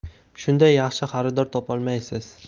shundan yaxshi xaridor topolmaysiz